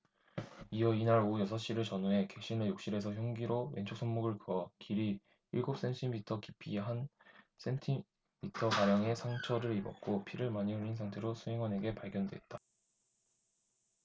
이어 이날 오후 여섯 시를 전후해 객실 내 욕실에서 흉기로 왼쪽 손목을 그어 길이 일곱 센티미터 깊이 한 센티미터가량의 상처를 입었고 피를 많이 흘린 상태로 수행원에게 발견됐다